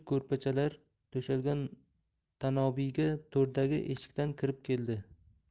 tanobiyga to'rdagi eshikdan kirib keldi